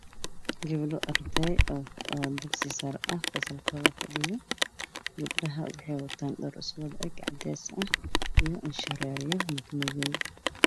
Waa gabdho dugsi sare oo qabaan dhar cadaan oo shariif qorayaan